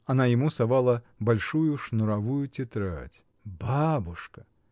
— Она ему совала большую шнуровую тетрадь. — Бабушка!